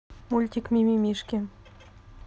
мультик мимимишки